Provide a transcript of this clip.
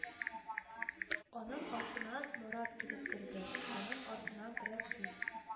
Аның артыннан морат килеп керде, аның артыннан рәсүл,